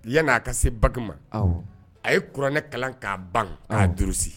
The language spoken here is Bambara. Yani a ka se Bac ma a ye kuranɛ kalan k'a ban k'a durusi!